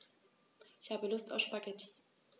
Ich habe Lust auf Spaghetti.